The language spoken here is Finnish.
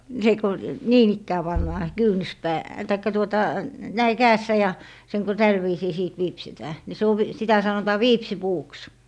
se kun niin ikään pannaan - tai tuota näin kädessä ja sen kun tällä viisiin sitten viipsitään niin se - sitä sanotaan viipsinpuuksi